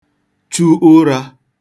chu ụrā